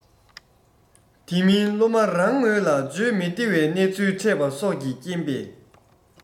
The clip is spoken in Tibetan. དེ མིན སློབ མ རང ངོས ལ བརྗོད མི བདེ བའི གནས ཚུལ འཕྲད པ སོགས ཀྱི རྐྱེན པས